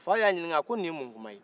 fa y'a ɲininkan a ko ni ye mun kuma ye